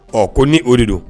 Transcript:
Ɔ ko ni o de don